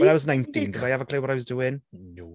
When I was nineteen... ...did I have a clue what I was doing? No!